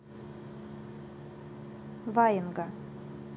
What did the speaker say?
ваенга